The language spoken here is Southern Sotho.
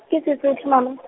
ke Sesotho mama.